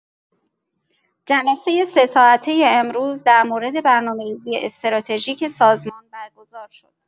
جلسه سه‌ساعته امروز در مورد برنامه‌ریزی استراتژیک سازمان برگزار شد.